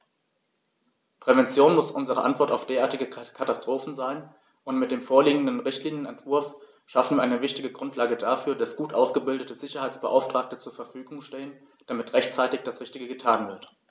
Prävention muss unsere Antwort auf derartige Katastrophen sein, und mit dem vorliegenden Richtlinienentwurf schaffen wir eine wichtige Grundlage dafür, dass gut ausgebildete Sicherheitsbeauftragte zur Verfügung stehen, damit rechtzeitig das Richtige getan wird.